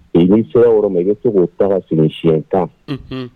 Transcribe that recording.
O histoire yɔrɔ la, i bi se ko taa ka segin siɲɛ 10. Unhun